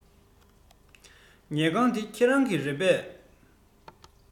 ཉལ ཁང འདི ཁྱེད རང གི རེད པས